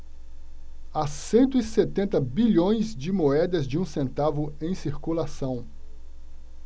há cento e setenta bilhões de moedas de um centavo em circulação